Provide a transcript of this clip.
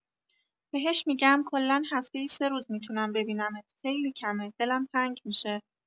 بهش می‌گم کلا هفته‌ای سه روز می‌تونم ببینمت خیلی کمه دلم تنگ می‌شه